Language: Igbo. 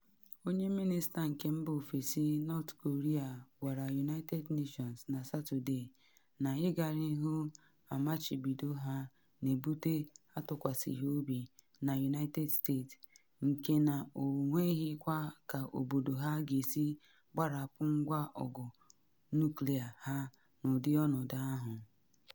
Onye Mịnịsta nke mba ofesi North Korea gwara United Nations na Satọde na ịga n’ihu amachibido ha na-ebute atụkwasịghị obi na United State nke na ọ nweghịkwa ka obodo ha ga-esi gbarapụ ngwa ọgụ nuklịa ha n’ụdị ọnọdụ ahụ.